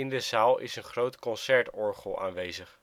de zaal is een groot concertorgel aanwezig